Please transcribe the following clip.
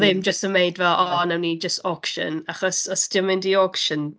ddim jyst yn wneud fel, "O wnawn ni jyst auction". Achos os 'di o'n mynd i auction...